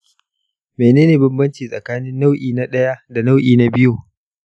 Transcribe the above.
mene ne bambanci tsakanin nau'i na ɗaya da nau'i na biyu?